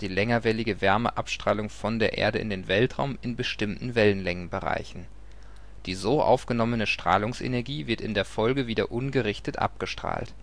längerwellige Wärmeabstrahlung von der Erde in den Weltraum in bestimmten Wellenlängenbereichen. Die so aufgenommene Strahlungsenergie wird in der Folge wieder ungerichtet abgestrahlt